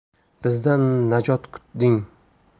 bizdan najot kutding